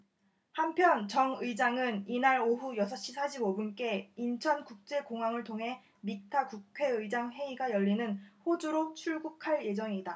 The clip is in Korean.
한편 정 의장은 이날 오후 여섯 시 사십 오 분께 인천국제공항을 통해 믹타 국회의장 회의가 열리는 호주로 출국할 예정이다